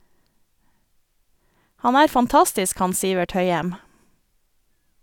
- Han er fantastisk, han Sivert Høyem.